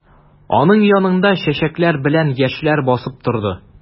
Аның янында чәчәкләр белән яшьләр басып торды.